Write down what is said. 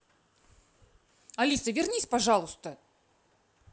алиса вернись пожалуйста